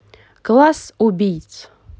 класс убийц